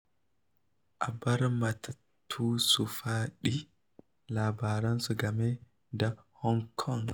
A bar matattu su faɗi labaransu game da Hong Kong